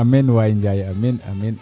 amiin waay Njaay Amiin